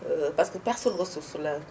parce que personne ressource la